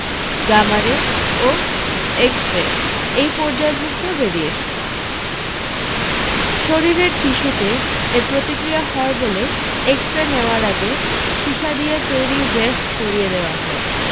গামারে এবং এক্সরে এই পর্যায়ভুক্ত রেডিয়েশন শরীরের টিস্যুতে এর প্রতিক্রিয়া হয় বলে এক্সরে নেওয়ার আগে সিসা দিয়ে তৈরী ভেস্ট পরিয়ে দেওয়া হয়